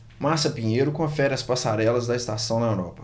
márcia pinheiro confere as passarelas da estação na europa